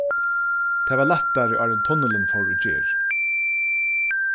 tað var lættari áðrenn tunnilin fór í gerð